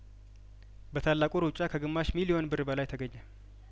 በታላቁ ሩጫ ከግማሽ ሚሊዮን ብር በላይ ተገኘ